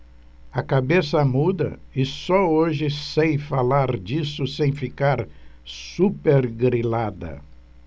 a cabeça muda e só hoje sei falar disso sem ficar supergrilada